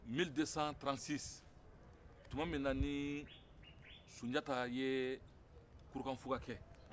mili desan tarante sise tuma min na ni sunjata ye kurukanfuga kɛ